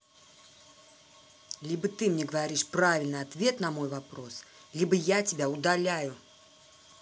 либо ты мне говоришь правильный ответ на мой вопрос либо я тебя удаляю